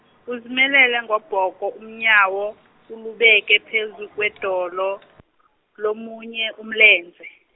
uzimelele ngobhoko unyawo, ulibeke phezu kwedolo lomunye umlenze.